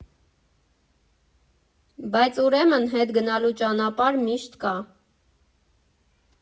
Բայց ուրեմն հետ գնալու ճանապարհ միշտ կա…